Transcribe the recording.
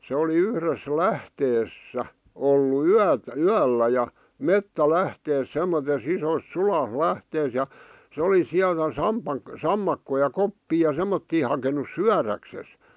se oli yhdessä - lähteessä ollut - yöllä ja metsälähteessä semmoisessa isossa - suolähteessä ja se oli sieltä - sammakoita ja koppeja ja semmoisia hakenut syödäkseen